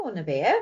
O na fe.